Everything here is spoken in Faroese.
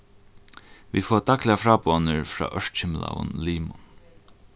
vit fáa dagliga fráboðanir frá ørkymlaðum limum